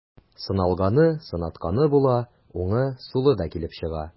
Сыналганы, сынатканы була, уңы, сулы да килеп чыга.